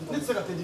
Ne tɛ ka tɛ di